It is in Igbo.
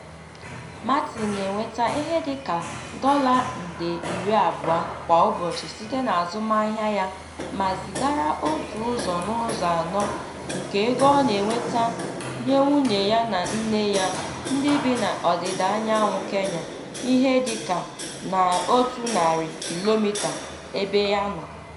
Martin na-enweta ihe dị ka US $20 kwa ụbọchị site n'azụmaahịa ya ma zịgara otu ụzọ n'ụzọ anọ nke ego ọ na-enweta nye nwunye ya na nne ya, ndị bi n'ọdịdaanyanwụ Kenya, ihe dịka 100 kilomita ebe ya nọ.